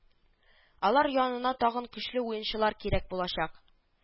Алар янына тагын көчле уенчылар кирәк булачак